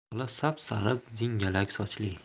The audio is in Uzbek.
zebi xola sap sariq jingalak sochli